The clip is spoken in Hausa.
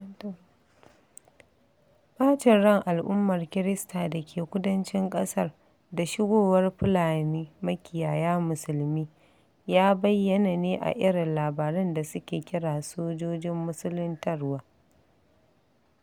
ɓacin ran al'ummar Kirista da ke kudancin ƙasar da shigowar Fulani makiyaya Musulmi ya bayyana ne a irin labaran da suke kira "Sojojin Musuluntarwa"